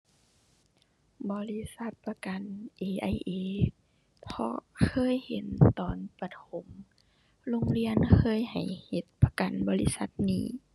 บริษัทประกัน AIA เพราะเคยเห็นตอนประถม โรงเรียนเคยให้เฮ็ดประกันบริษัทนี้